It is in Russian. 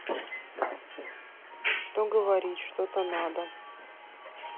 что говорить что то надо